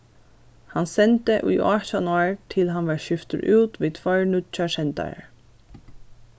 hann sendi í átjan ár til hann varð skiftur út við tveir nýggjar sendarar